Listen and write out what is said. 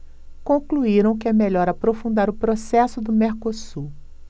concluíram que é melhor aprofundar o processo do mercosul